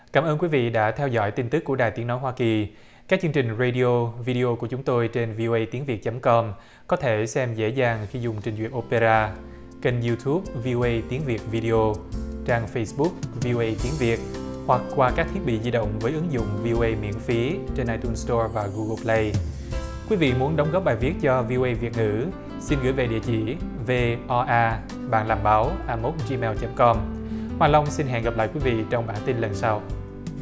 cảm ơn quý vị đã theo dõi tin tức của đài tiếng nói hoa kỳ các chương trình rây đi ô vi đi ô của chúng tôi trên vi âu ây tiếng việt chấm com có thể xem dễ dàng khi dùng trình duyệt ô pê ra kênh diu túp vi âu ây tiếng việt vi đi ô trang phây búc vi âu ây tiếng việt hoặc qua các thiết bị di động với ứng dụng vi âu ây miễn phí trên ai tơn sờ to và gu gờ pờ lây quý vị muốn đóng góp bài viết cho vi âu ây việt ngữ xin gửi về địa chỉ về vê o a bạn làm báo a móc di meo chấm com hòa long xin hẹn gặp lại quý vị trong bản tin lần sau